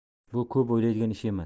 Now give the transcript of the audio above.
bu ko'p o'ylaydigan ish emas